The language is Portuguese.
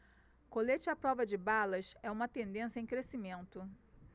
colete à prova de balas é uma tendência em crescimento